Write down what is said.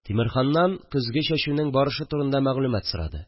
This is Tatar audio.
Тимерханнан көзге чәчүнең барышы турында мәгълүмәт сорады